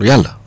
yàlla